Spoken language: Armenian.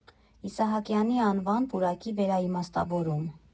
ԻՍԱՀԱԿՅԱՆԻ ԱՆՎԱՆ ՊՈՒՐԱԿԻ ՎԵՐԱԻՄԱՍՏԱՎՈՐՈՒՄ։